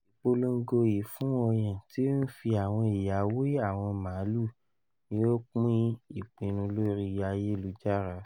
Ipolongo ifun ọyan ti o n fi awọn iya we awọn maalu ni o pin ipinnu lori ayelujara